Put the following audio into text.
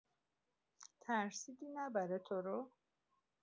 ترسیدی نبره تو رو؟!